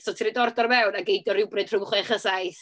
So ti'n rhoi dy ordor mewn a gei di o rywbryd rhwngchwech a saith.